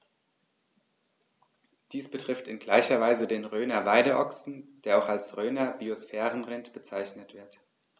Dies betrifft in gleicher Weise den Rhöner Weideochsen, der auch als Rhöner Biosphärenrind bezeichnet wird.